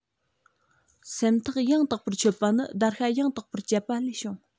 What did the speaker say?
སེམས ཐག ཡང དག པར ཆོད པ ནི བརྡར ཤ ཡང དག པར བཅད པ ལས བྱུང